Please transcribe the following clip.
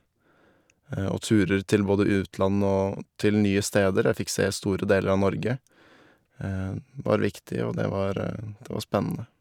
Og turer til både utland og til nye steder-- jeg fikk se store deler av Norge-- var viktig, og det var det var spennende.